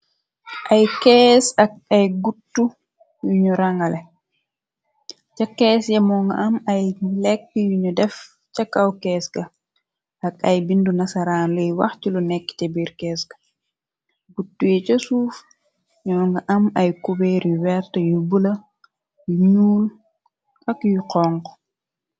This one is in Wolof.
ay kees ak ay guttu yuñu rangale ca kees yamo nga am ay lekk yunu def ca kaw kees ga ak ay bindu nasaraan luy wax ci lu nekk te biir kees ga gutu yi ca suuf ñoo nga am ay kubeer yu werte yu bula yu ñuul ak yu xonxo.